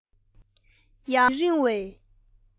ཡང ཕར ཙམ སོང བ ན མི རིང བའི